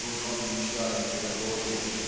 окруженный чарами природы